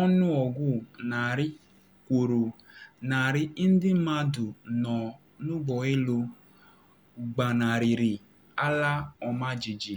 Ọnụọgụ Narị Kwụrụ Narị Ndị Mmadụ Nọ N’ụgbọ Elu Gbanarịrị Ala Ọmajiji